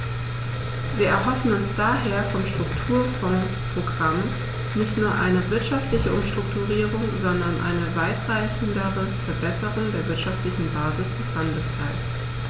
Wir erhoffen uns daher vom Strukturfondsprogramm nicht nur eine wirtschaftliche Umstrukturierung, sondern eine weitreichendere Verbesserung der wirtschaftlichen Basis des Landesteils.